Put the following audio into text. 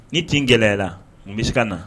Ni t gɛlɛyara u bɛ se ka na